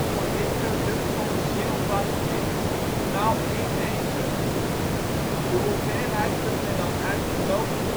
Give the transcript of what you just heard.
voor dit product commercieel vastligt) maal één meter. De hoeveelheid drukt men dan uit in “lopende